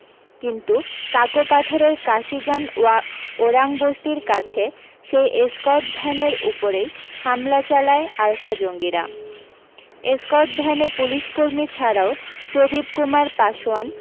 কিন্তু কাকোপাথারের কাসিজান ওরাংবস্তীর কাছে সেই এসকর্ট ভ্যানের উপরেই হামলা চালায় আলফা জঙ্গিরা এসকর্ট ভ্যানে পুলিশ কর্মী ছাড়াও প্রদীপ কুমার পাসোয়ান